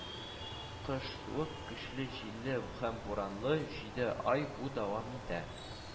Кыш суык, көчле җилле һәм буранлы, җиде ай бу дәвам итә